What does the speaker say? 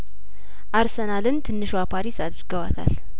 አርሰናልን ትንሿ ፓሪስ አድርገዋታል